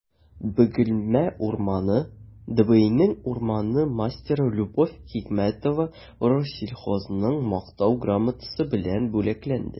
«бөгелмә урманы» дбинең урман мастеры любовь хикмәтова рослесхозның мактау грамотасы белән бүләкләнде